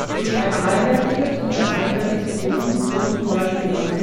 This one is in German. durch ein dreiwertiges und ein einwertiges Ion, so z. B. Al3+